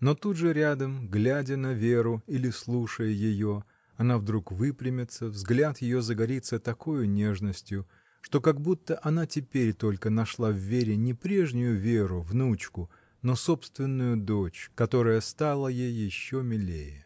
Но тут же рядом, глядя на Веру или слушая ее, она вдруг выпрямится, взгляд ее загорится такою нежностью, что как будто она теперь только нашла в Вере не прежнюю Веру, внучку, но собственную дочь, которая стала ей еще милее.